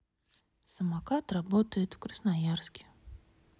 самокат работает в красноярске